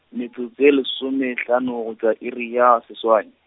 metsotso e lesomehlano go tšwa iri ya seswai.